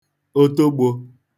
otogbō